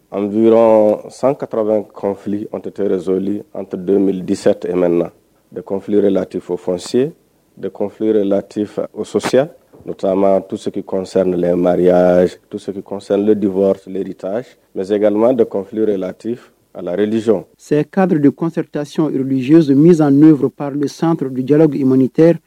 An biɔrɔn san katara kɔnfi antɛte rezoali an tɛ don disatom na de kɔnfi lati fɔ fsi de kɔnfi yɛrɛ lati fɛ o sɔsiya o taama tuseki kɔnsanri lamaya tuseki kɔnsan dep lereta zeli de kɔnfire lati relison se kadiri de kɔnɛretacyɔnlzyz miz nourpr sanrrodija bɛmaniinte